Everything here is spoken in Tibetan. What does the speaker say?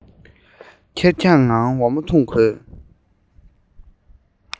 ཁེར རྐྱང ངང འོ མ འཐུང དགོས